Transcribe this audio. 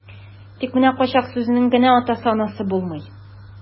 Тик менә кайчак сүзенең генә атасы-анасы булмый.